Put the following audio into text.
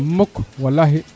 mukk walahi